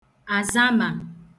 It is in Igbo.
àzamà